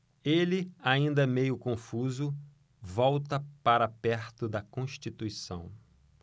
ele ainda meio confuso volta para perto de constituição